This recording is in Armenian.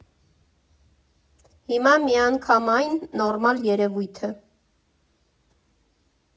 Հիմա միանգամայն նորմալ երևույթ է։